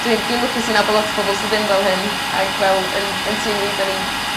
dwi'n dwi'n lwcus i nabo lot o bobol sy ddim fel hyn ag fel yn yn tŷ ni 'dyn ni'n